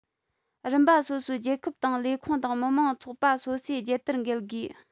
རིམ པ སོ སོའི རྒྱལ ཁབ ལས ཁུངས དང མི དམངས ཚོགས པ སོ སོས རྒྱལ དར འགེལ དགོས